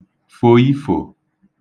fò ifò